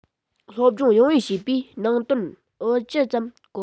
སློབ སྦྱོང ཡང ཡང བྱས པས ནང དོན འོལ སྤྱི ཙམ གོ བ